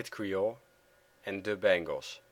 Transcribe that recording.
Creole en The Bangles